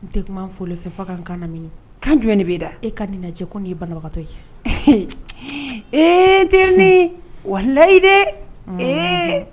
N tɛ fɔfɛ fa ka kaana kan jumɛn de bɛe da e ka nin lajɛ ko' ye banbagatɔ ye e t walilayi de ee